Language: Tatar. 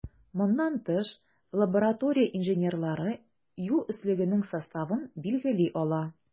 Моннан тыш, лаборатория инженерлары юл өслегенең составын билгели ала.